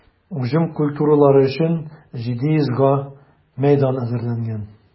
Уҗым культуралары өчен 700 га мәйдан әзерләнгән.